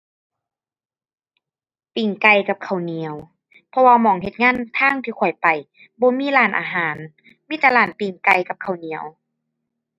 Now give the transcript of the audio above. ปิ้งไก่กับข้าวเหนียว เพราะว่าหม้องเฮ็ดงานทางที่ข้อยไป บ่มีร้านอาหาร มีแต่ร้านปิ้งไก่กับข้าวเหนียว